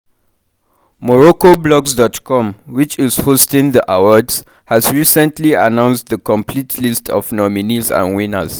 MoroccoBlogs.com, which is hosting the awards, has recently announced the complete list of nominees and winners.